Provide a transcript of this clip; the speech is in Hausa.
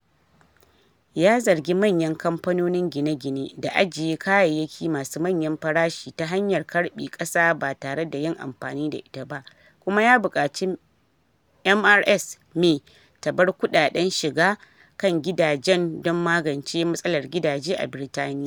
Ya zargi manyan Kamfanonin gine-gine da ajiye kayyaki masu manyan farashin ta hanyar karbe ƙasa ba tare da yin amfani da ita ba, kuma ya bukaci Mrs May ta bar kudaden shiga kan gidajen don magance "matsalar gidaje a Britaniya.”